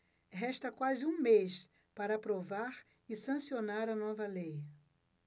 resta quase um mês para aprovar e sancionar a nova lei